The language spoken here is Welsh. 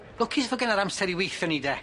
Lwcus fo genna'r amser i weithio ni de?